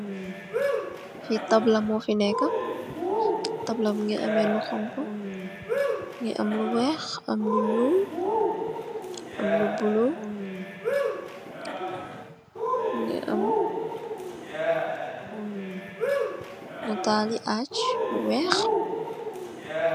F tabla mofi neka tabla mongi am lu xonxo mongi am lu weex am lu nuul am lu bulu mongi am netali ach bu weex.